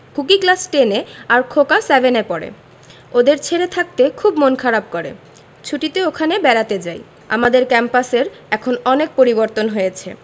খুকি class ten এ আর খোকা সেভেন এ পড়ে ওদের ছেড়ে থাকতে খুব মন খারাপ করে ছুটিতে ওখানে বেড়াতে যাই আমাদের ক্যাম্পাসের এখন অনেক পরিবর্তন হয়েছে